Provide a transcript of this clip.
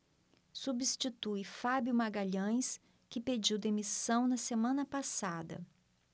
substitui fábio magalhães que pediu demissão na semana passada